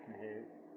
ene heewi